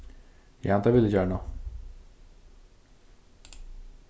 ja tað vil eg gjarna